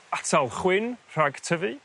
atal chwyn rhag tyfu